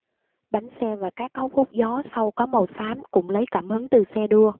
bánh xe và các hốc hút gió sau có màu xám cũng lấy cảm hứng từ xe đua